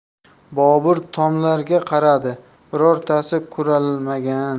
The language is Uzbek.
bobur tomlarga qaradi birortasi kuralmagan